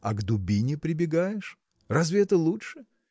– А к дубине прибегаешь: разве это лучше?